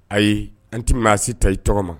Ayi an tɛ maa si ta i tɔgɔ sɔgɔma